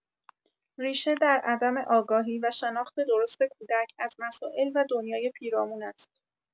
ریشه در عدم آگاهی و شناخت درست کودک از مسائل و دنیای پیرامون است.